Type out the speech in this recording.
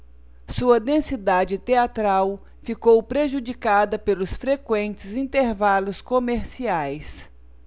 sua densidade teatral ficou prejudicada pelos frequentes intervalos comerciais